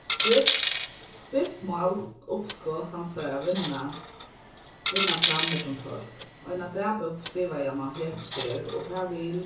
skriftmál uppskot hansara vinna vinna fram millum fólk eina dagbók skrivaði hann á hesi ferð og tað vil